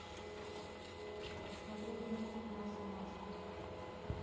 посмотреть мультик наша маша